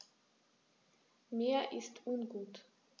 Mir ist ungut.